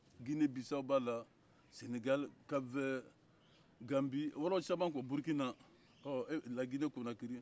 guinee bissau b'a la sɛnɛgli kapu vɛri ganbi yɔrɔ caman quoi burikina lagine konakiri